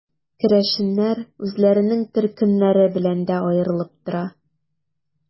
Керәшеннәр үзләренең төркемнәре белән дә аерылып тора.